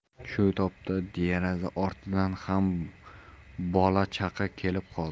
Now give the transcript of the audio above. shu topda deraza ortidan ham bola chaqa kelib qoldi